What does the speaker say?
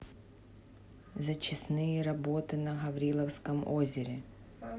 зачистные работы на гавриловском озере